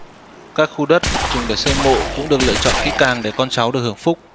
các khu đất dùng xây mồ cũng được lựa chọn kỹ càng để con cháu được hưởng phúc